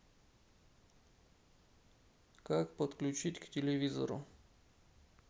как подключить к телевизору